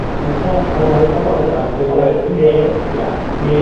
Yym